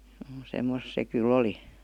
juu semmoista se kyllä oli